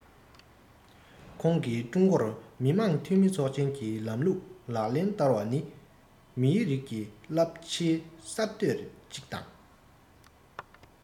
ཁོང གིས ཀྲུང གོར མི དམངས འཐུས མི ཚོགས ཆེན གྱི ལམ ལུགས ལག ལེན བསྟར བ ནི མིའི རིགས ཀྱི རླབས ཆེའི གསར གཏོད ཅིག དང